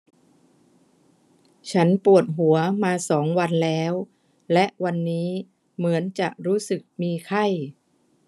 ฉันปวดหัวมาสองวันแล้วและวันนี้เหมือนจะรู้สึกมีไข้